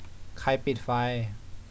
ใครปิดไฟ